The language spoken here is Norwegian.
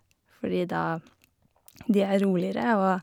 Fordi da de er roligere og...